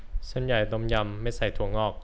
เส้นใหญ่ต้มยำไม่ใส่ถั่วงอก